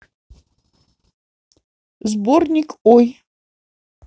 сборник ой